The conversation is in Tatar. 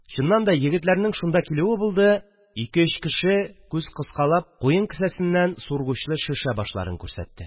Чыннан да, егетләрнең шунда килүе булды – ике-өч кеше, күз кыскалап, куен кесәсеннән сургучлы шешә башларын күрсәтте